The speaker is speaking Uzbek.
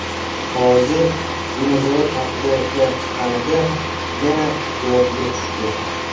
hozir vinzavod haqida gap chiqqanida yana yodiga tushdi